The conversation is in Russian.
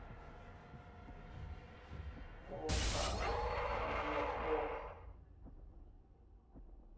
кока а мне пох